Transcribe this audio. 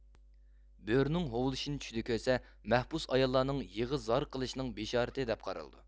بۆرىنىڭ ھوۋلىشىنى چۈشىدە كۆرسە مەھبۇس ئاياللارنىڭ يېغا زار قىلىشىنىڭ بىشارىتى دەپ قارىلىدۇ